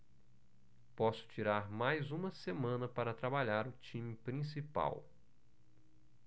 posso tirar mais uma semana para trabalhar o time principal